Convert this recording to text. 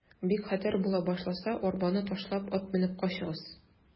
Бик хәтәр була башласа, арбаны ташлап, ат менеп качыгыз.